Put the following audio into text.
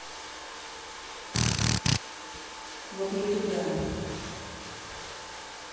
вот не туда